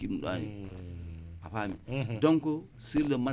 donc sur le maraichage